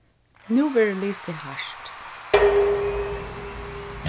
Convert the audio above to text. nú verður lisið hart